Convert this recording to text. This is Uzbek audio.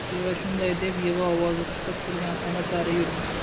beva shunday deb yig'i ovozi chiqib turgan xona sari yurdi